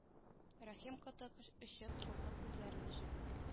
Рәхим коты очып куркып күзләрен ача